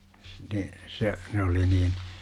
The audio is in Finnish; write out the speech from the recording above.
ne se ne oli niin